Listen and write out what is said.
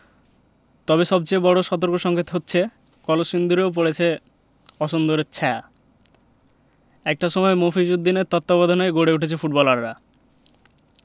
তবে সবচেয়ে বড় সতর্কসংকেত হচ্ছে কলসিন্দুরেও পড়েছে অসুন্দরের ছায়া একটা সময় মফিজ উদ্দিনের তত্ত্বাবধানেই গড়ে উঠেছে ফুটবলাররা